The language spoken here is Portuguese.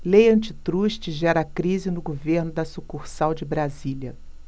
lei antitruste gera crise no governo da sucursal de brasília